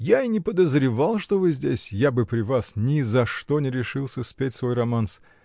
-- Я и не подозревал, что вы здесь, -- я бы при вас ни за что не решился спеть свой романс.